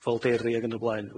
folderi ag yn y blaen.